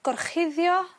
gorchuddio